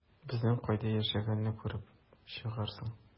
Безнең кайда яшәгәнне күреп чыгарсың...